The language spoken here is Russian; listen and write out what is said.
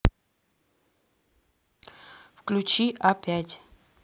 включи а пять